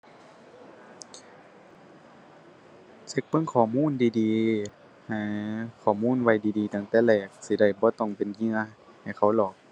เช็กเบิ่งข้อมูลดีดี หาข้อมูลไว้ดีดีตั้งแต่แรก สิได้บ่ต้องเป็นเหยื่อให้เขาหลอก